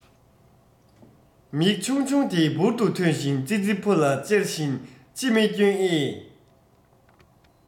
མིག ཆུང ཆུང དེ འབུར དུ ཐོན བཞིན ཙི ཙི ཕོ ལ ཅེར བཞིན ཅི མི སྐྱོན ཨེ